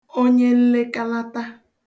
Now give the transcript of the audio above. onyenlekalata